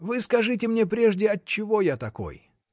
— Вы скажите мне прежде, отчего я такой?